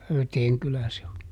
Höyteen kylä se on